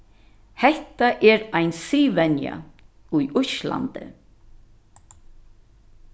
hetta er ein siðvenja í íslandi